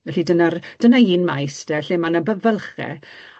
Felly dyna'r dyna un maes de lle ma' 'na by- fylche